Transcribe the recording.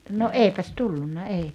no eipäs tullut ei